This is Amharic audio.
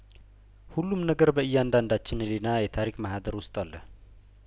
ሁሉም ነገር በእያንዳንዳችን ህሊና የታሪክ ማህደር ውስጥ አለ